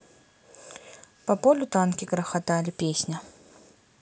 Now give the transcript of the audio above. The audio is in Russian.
по полю танки грохотали песня